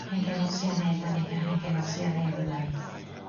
Hen genod See En Ay 'dan ni a hen genod See En Ay fyddan ni.